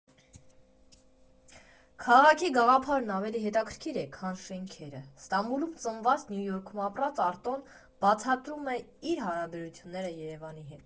«Քաղաքի գաղափարն ավելի հետաքրքիր է, քան շենքերը» Ստամբուլում ծնված, Նյու Յորքում ապրած Արտոն բացատրում է իր հարաբերությունները Երևանի հետ։